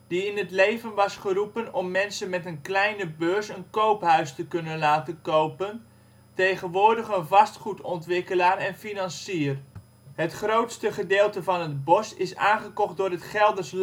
die in het leven was geroepen om mensen met een kleine beurs een koophuis te kunnen laten kopen, tegenwoordig een vastgoedontwikkelaar en financier. Het grootste gedeelte van het bos is aangekocht door het Geldersch Landschap.Huize